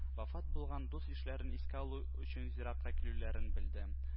Вафат булган дус-ишләрен искә алу өчен зиратка килүләрен белдем